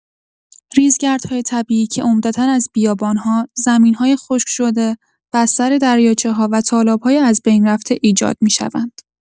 ریزگردهای طبیعی که عمدتا از بیابان‌ها، زمین‌های خشک‌شده، بستر دریاچه‌ها و تالاب‌های از بین رفته ایجاد می‌شوند.